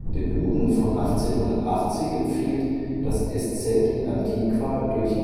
Duden von 1880 empfiehlt, das Eszett in Antiqua durch